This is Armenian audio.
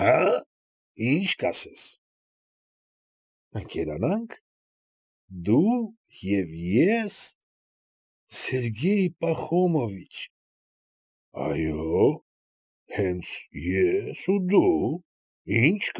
Աա՛, ի՞նչ կասես։ ֊ Ընկերանա՞նք, դու և ե՞ս, Սերգեյ Պախոմովիչ։ ֊ Այո՛, հենց ես ու դու, ի՞նչ։